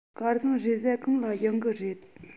སྐལ བཟང རེས གཟའ གང ལ ཡོང གི རེད